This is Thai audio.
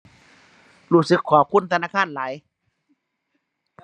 รู้สึกขอบคุณธนาคารหลาย